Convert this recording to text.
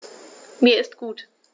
Mir ist gut.